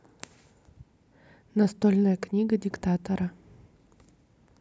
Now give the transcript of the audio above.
настольная книга диктатора